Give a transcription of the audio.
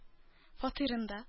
Фатирында